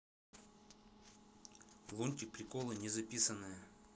лунтик приколы незаписанное